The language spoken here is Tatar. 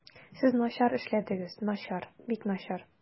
Сез начар эшләдегез, начар, бик начар.